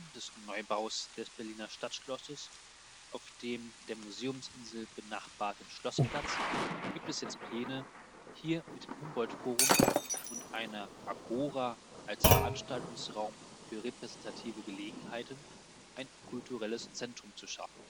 des Neubaus des Berliner Stadtschlosses auf dem der Museumsinsel benachbarten Schlossplatz gibt es jetzt Pläne, hier mit dem Humboldt-Forum und einer „ Agora “als Veranstaltungsraum für repräsentative Gelegenheiten ein kulturelles Zentrum zu schaffen